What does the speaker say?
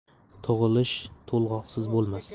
tug'ilish to'lg'oqsiz bo'lmas